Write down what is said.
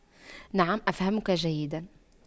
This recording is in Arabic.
نعم أفهمك جيدا